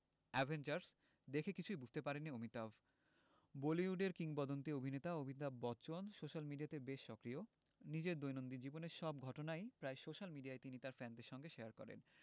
Avengers দেখে কিছুই বুঝতে পারেননি অমিতাভ বলিউডের কিংবদন্তী অভিনেতা অমিতাভ বচ্চন সোশ্যাল মিডিয়াতে বেশ সক্রিয় নিজের দৈনন্দিন জীবনের সব ঘটনাই প্রায় সোশ্যাল মিডিয়ায় তিনি তার ফ্যানেদের সঙ্গে শেয়ার করেন